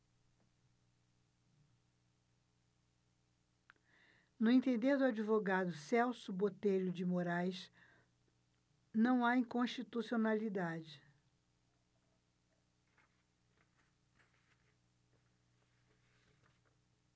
no entender do advogado celso botelho de moraes não há inconstitucionalidade